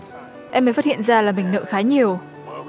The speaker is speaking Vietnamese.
em mới phát hiện ra là bình luận khá nhiều